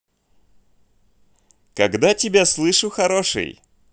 когда тебя слышу хороший